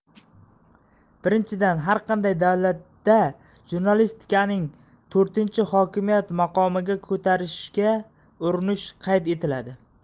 birinchidan har qanday davlatda jurnalistikaning to'rtinchi hokimiyat maqomiga ko'tarishga urinish qayd etiladi